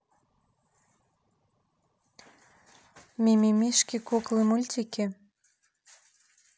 мимимишки куклы мультики